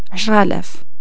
عشرالاف